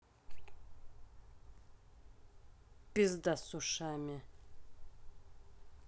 пизда с ушами